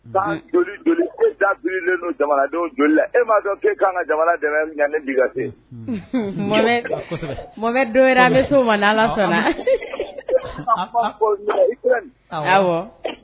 Ba joli jolioli e da bilen don jamanadenw joli la e m'a dɔn' kan ka jamana dɛmɛ ɲa bi se mɔmɛ don mala sɔnna ko